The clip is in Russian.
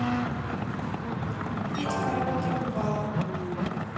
петь караоке по баллам